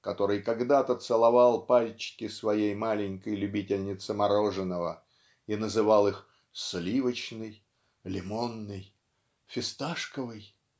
который когда-то целовал пальчики своей маленькой любительнице мороженого и называл их "сливочный. лимонный. фисташковый"